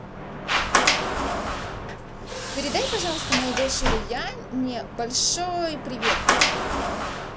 передай пожалуйста моей дочери я не большой привет